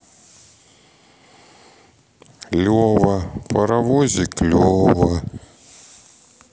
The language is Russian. лева паровозик лева